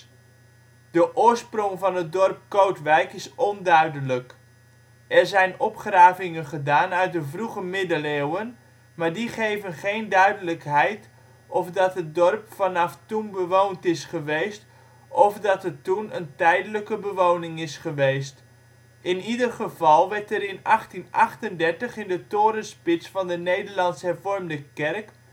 oorsprong van het dorp Kootwijk is onduidelijk. Er zijn opgravingen gedaan uit de Vroege middeleeuwen, maar die geven geen duidelijkheid of dat het dorp vanaf toen bewoond is geweest, of dat het toen een tijdelijke bewoning is geweest. In ieder geval werd er in 1838 in de torenspits van de Nederlands-hervormde kerk